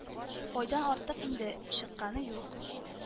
— айдан артык инде чыкканы юк